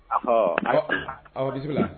Ɔ aw la